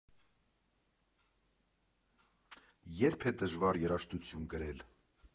Ե՞րբ է դժվար երաժշտություն գրել։